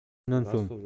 shundan so'ng